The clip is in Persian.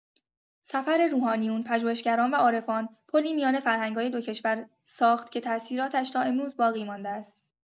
سفر روحانیون، پژوهشگران و عارفان، پلی میان فرهنگ‌های دو کشور ساخت که تأثیراتش تا امروز باقی‌مانده است.